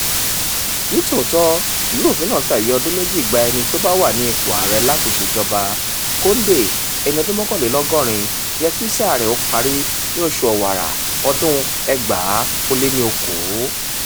Ní tòótọ́, ìwé-òfin náà fi ààyè ọdún méjì gba ẹni tí ó bá wà ní ipò ààrẹ láti ṣèjọba. Condé, ẹni ọdún 81, yẹ kí sáà rẹ̀ ó parí ní oṣù Ọ̀wàrà ọdún-un 2020.